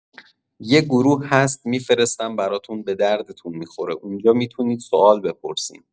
یه گروه هست می‌فرستم براتون به دردتون می‌خوره اونجا می‌تونید سوال بپرسین